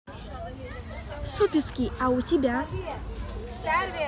суперский а у тебя